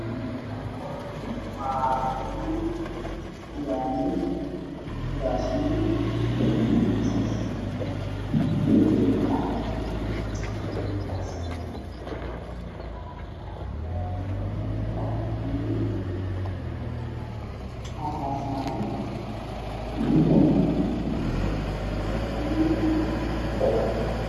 Waxaa sawirkan ka muuqda howl loogu talo galay in lagu qabsado shirarka iyo aroosyada waxay yeelo kuraas iyo miisaas kuraasta midabkooda waa caddaan miiska waxaa saaran ubaxyo dhulka hoosena waa buluug